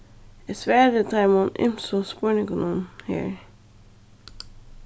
eg svari teimum ymsu spurningunum her